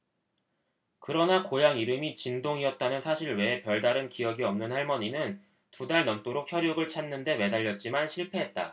그러나 고향 이름이 진동이었다는 사실 외에 별다른 기억이 없는 할머니는 두 달 넘도록 혈육을 찾는 데 매달렸지만 실패했다